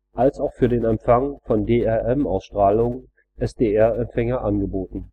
als auch für den Empfang von DRM-Ausstrahlungen SDR-Empfänger angeboten